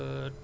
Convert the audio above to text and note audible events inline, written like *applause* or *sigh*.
*hesitation* *hesitation*